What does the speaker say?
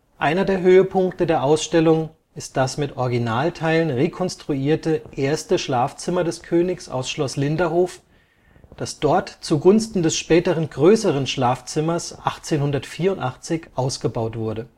Einer der Höhepunkte der Ausstellung ist das mit Originalteilen rekonstruierte erste Schlafzimmer des Königs aus Schloss Linderhof, das dort zugunsten des späteren größeren Schlafzimmers 1884 ausgebaut wurde